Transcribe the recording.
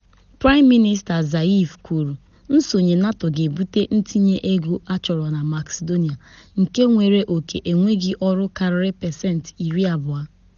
Nyocha ọzọ, Telma TV nke Macedonia mere, hụrụ na pasentị 57 nke ndị nzaghachi na ahazi ituli aka na Sọnde.